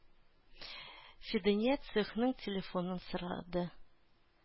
Фидания цехның телефонын сорады.